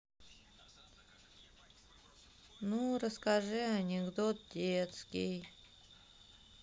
ну расскажи анекдот детский